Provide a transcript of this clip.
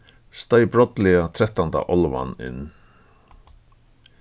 steig brádliga trettanda álvan inn